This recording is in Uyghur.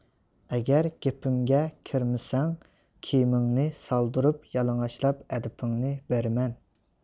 ئەگەر گېپىمگە كىرمىسەڭ كىيىمىڭنى سالدۇرۇپ يالىڭاچلاپ ئەدىپىڭنى بېرىمەن